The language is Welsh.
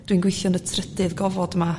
dwi'n gwithio'n y trydydd gofod 'ma